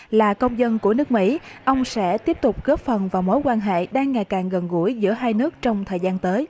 là công dân của nước mỹ ông sẽ tiếp tục góp phần vào mối quan hệ đang ngày càng gần gũi giữa hai nước trong thời gian tới